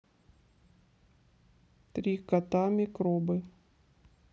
три кота микробы